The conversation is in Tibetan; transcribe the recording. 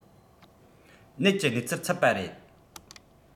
ནད ཀྱི གནས ཚུལ ཚུད པ རེད